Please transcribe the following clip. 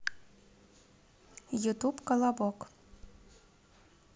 ютуб колобок